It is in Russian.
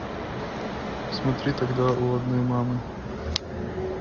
смотри тогда у одной мамы